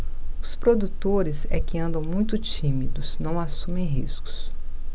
os produtores é que andam muito tímidos não assumem riscos